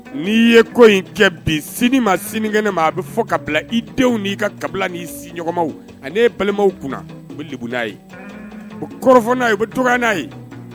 N ye kɔ in kɛ bi sini maa sinikɛnɛ ne ma a bɛ fɔ kabila bila i denw ni i ka kabila nii siɲɔgɔnmaw ni ye balimaw kunna bɛ ugu'a ye o kɔrɔfɔ n'a ye bɛ to'a ye